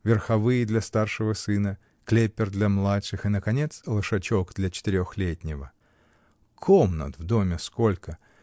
верховые для старшего сына, клеппер для младших и, наконец, лошачок для четырехлетнего. Комнат в доме сколько!